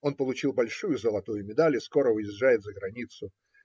он получил большую золотую медаль и скоро уезжает за границу.